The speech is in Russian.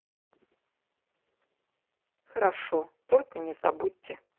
хорошо только не забудьте